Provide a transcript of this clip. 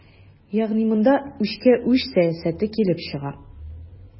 Ягъни монда үчкә-үч сәясәте килеп чыга.